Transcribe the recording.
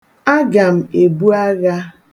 Aga m ebu agha.